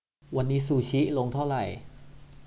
วันนี้ซูชิลงเท่าไหร่